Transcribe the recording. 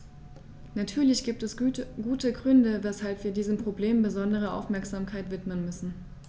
Natürlich gibt es gute Gründe, weshalb wir diesem Problem besondere Aufmerksamkeit widmen müssen.